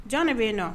Jɔn de bɛ yen dɔn